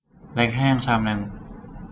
เล็กแห้งชามนึง